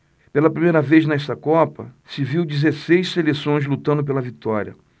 pela primeira vez nesta copa se viu dezesseis seleções lutando pela vitória